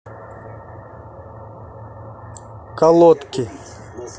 колодки